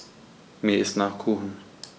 Mir ist nach Kuchen.